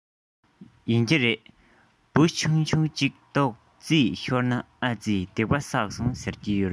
ཡིན གྱི རེད འབུ ཆུང ཆུང ཅིག རྡོག རྫིས ཤོར ནའི ཨ རྩི སྡིག པ བསགས སོང ཟེར གྱི འདུག